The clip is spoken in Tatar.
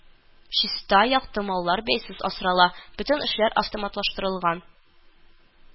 Чиста, якты, маллар бәйсез асрала, бөтен эшләр автоматлаштырылган